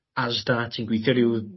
Asda a ti'n gwithio ryw